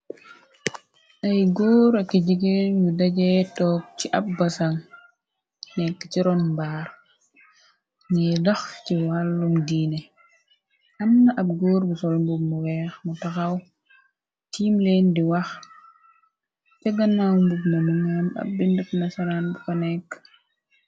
Ay góor aki jigeen yu dajee toog ci ab basa nekk ci ron mbaar ni lax ci wàllum diine amna ab góor bu solu mbug mu weex mu taxaw tiim leen di wax te gannaaw mbug munu ngeem ab bindkna saraan buko nekk.